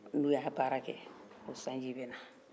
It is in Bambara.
ni u y' a baara kɛ sanji bɛ na